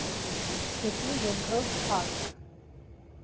Դեպի երկրորդ հարկ։